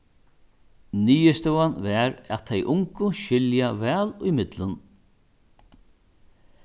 niðurstøðan var at tey ungu skilja væl ímillum